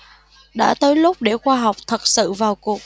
đã tới lúc để khoa học thật sự vào cuộc